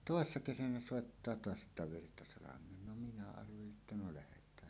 toissa kesänä soittaa taas että Virtasalameen no minä arvelin että no lähdetään